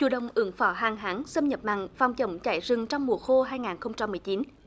chủ động ứng phó hạn hán xâm nhập mặn phòng chống cháy rừng trong mùa khô hai nghìn không trăm mười chín